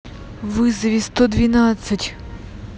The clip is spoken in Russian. вызови сто двенадцать